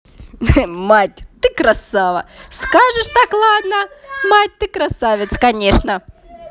мать ты красава скажешь так ладно мать ты красавец конечно